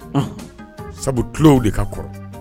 Sabu tulow de ka kɔrɔ